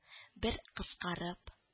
– бер кыскарып